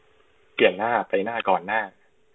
เปลี่ยนหน้าไปหน้าก่อนหน้า